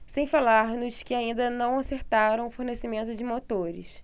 sem falar nos que ainda não acertaram o fornecimento de motores